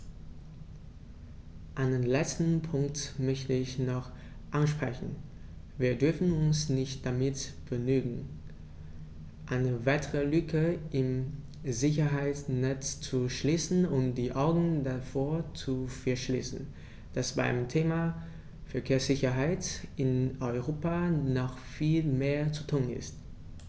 Einen letzten Punkt möchte ich noch ansprechen: Wir dürfen uns nicht damit begnügen, eine weitere Lücke im Sicherheitsnetz zu schließen und die Augen davor zu verschließen, dass beim Thema Verkehrssicherheit in Europa noch viel mehr zu tun ist.